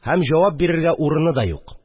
Һәм җавап бирергә урыны да юк